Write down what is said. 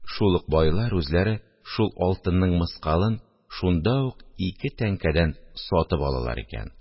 Шул ук байлар үзләре шул алтынның мыскалын шунда ук ике тәңкәдән сатып алалар икән